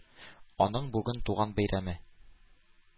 Аның бүген туган бәйрәме.